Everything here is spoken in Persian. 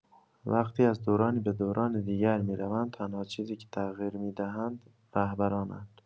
وقتی از دورانی به دورانی دیگر می‌روند، تنها چیزی که تغییر می‌دهند رهبرانند.